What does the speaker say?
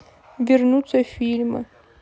вернуться в фильмы